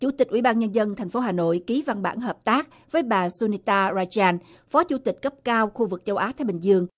chủ tịch ủy ban nhân dân thành phố hà nội ký văn bản hợp tác với bà sô ni ta ra gian phó chủ tịch cấp cao khu vực châu á thái bình dương